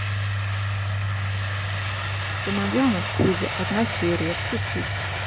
домовенок кузя одна серия включить